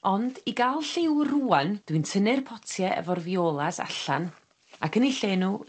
Ond i ga'l lliw rŵan dwi'n tynnu'r potie efo'r violas allan ac yn 'u lle n'w